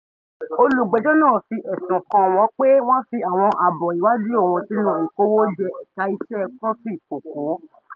Olùgbẹ́jọ́ náà fi ẹ̀sùn kan wọ́n pé wọ́n fi àwọn àbọ̀ ìwádìí òun sínú ìkówójẹ ẹ̀ka iṣẹ́ kọfí kòkó.